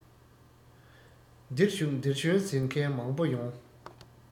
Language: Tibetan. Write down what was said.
འདིར བཞུགས འདིར འབྱོན ཟེར མཁན མང པོ ཡོང